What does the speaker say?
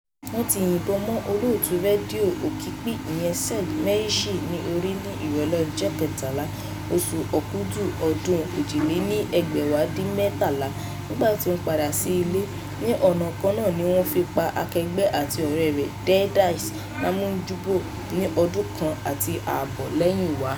Wọ́n ti yin ìbọn mọ́ olóòtú ìròyìn Radio Okapi ìyẹn Serge Maheshe ní orí ní ìrọ̀lẹ́ ọjọ́ Kẹtàlá oṣù Òkudù ọdún 2007 nígbà tí ó ń padà sí ilé, ní ọ̀nà kan náà tí wọ́n fi pa akẹgbẹ́ àti ọ̀rẹ́ rẹ̀ Didace Namujimbo ní ọdún kan àti ààbọ̀ lẹ́yìnwá.